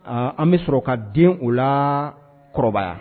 An bɛ sɔrɔ ka den o la kɔrɔbaya